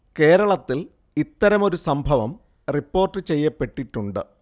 കേരളത്തിൽ ഇത്തരമൊരു സംഭവം റിപ്പോർട്ട് ചെയ്യപ്പെട്ടിട്ടുണ്ട്